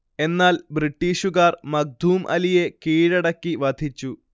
എന്നാൽ ബ്രിട്ടീഷുകാർ മഖ്ദൂം അലിയെ കീഴടക്കി വധിച്ചു